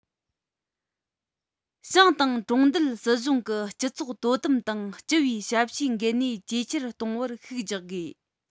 ཞང དང གྲོང རྡལ སྲིད གཞུང གི སྤྱི ཚོགས དོ དམ དང སྤྱི པའི ཞབས ཞུའི འགན ནུས ཇེ ཆེར གཏོང བར ཤུགས རྒྱག དགོས